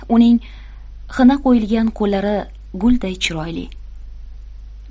uning xina qo'yilgan qo'llari gulday chiroyli